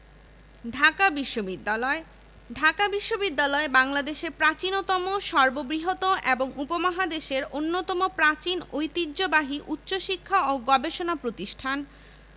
ঢাকা বিশ্ববিদ্যালয় ঢাকা বিশ্ববিদ্যালয় বাংলাদেশের প্রাচীনতম সর্ববৃহৎ এবং উপমহাদেশের অন্যতম প্রাচীন ঐতিহ্যবাহী উচ্চশিক্ষা ও গবেষণা প্রতিষ্ঠান